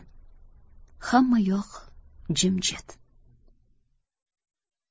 hammayoq jimjit